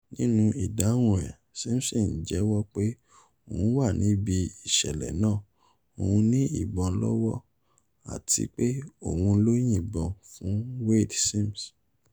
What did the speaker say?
Nínú ìdáhùn ẹ, Simpson jẹ́wọ́ pé òun wà ní ibi iṣẹ̀lẹ̀ náà, òun ní ìbọn lọ́wọ́, àti pé òun ló yìnbọn fún Wayde Sims.